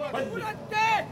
Baba wulila tɛ